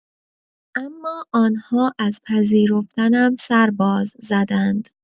اما آن‌ها از پذیرفتنم سر باز زدند.